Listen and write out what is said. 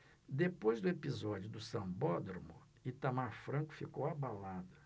depois do episódio do sambódromo itamar franco ficou abalado